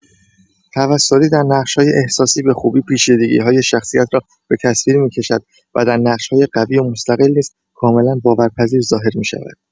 توسلی در نقش‌های احساسی به خوبی پیچیدگی‌های شخصیت را به تصویر می‌کشد و در نقش‌های قوی و مستقل نیز کاملا باورپذیر ظاهر می‌شود.